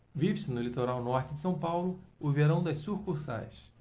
vive-se no litoral norte de são paulo o verão das sucursais